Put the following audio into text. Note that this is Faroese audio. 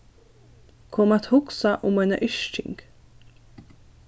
kom at hugsa um eina yrking